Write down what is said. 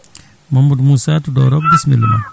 Mamadou Moussa to Doorogobisimilla ma